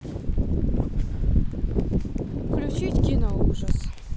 включить киноужас